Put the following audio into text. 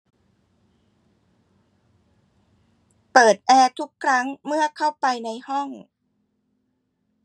เปิดแอร์ทุกครั้งเมื่อเข้าไปในห้อง